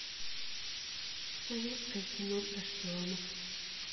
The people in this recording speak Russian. советское кино про шпионов